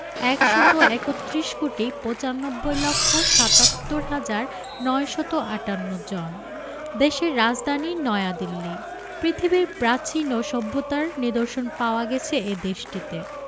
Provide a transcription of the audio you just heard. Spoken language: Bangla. ১৩১ কোটি ৯৫ লক্ষ ৭৭ হাজার ৯৫৮ জন দেশের রাজধানী নয়াদিল্লী পৃথিবীর প্রাচীন ও সভ্যতার নিদর্শন পাওয়া গেছে এ দেশটিতে